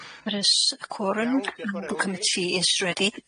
There is a quorun and the committee is ready.